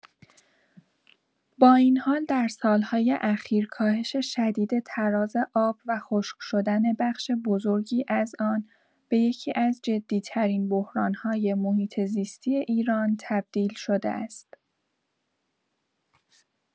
با این حال، در سال‌های اخیر کاهش شدید تراز آب و خشک‌شدن بخش بزرگی از آن، به یکی‌از جدی‌ترین بحران‌های محیط زیستی ایران تبدیل شده است.